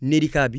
nerica bi